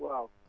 waaw